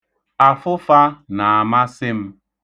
Afụfa na-amasị m.